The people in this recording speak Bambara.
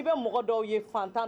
I bɛ mɔgɔ dɔw ye fatan